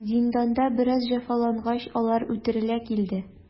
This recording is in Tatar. Зинданда бераз җәфалангач, алар үтерелә килде.